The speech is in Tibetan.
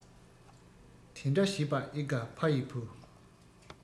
དེ འདྲ བྱས པ ཨེ དགའ ཨ ཡི བུ